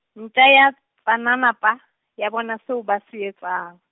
Ntja ya Tsananapa, ya bona seo ba se etsang.